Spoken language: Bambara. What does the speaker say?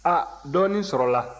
a dɔɔnin sɔrɔla